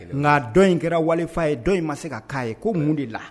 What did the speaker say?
Nka dɔ in kɛra wali a ye dɔ in ma se ka k'a ye ko mun de la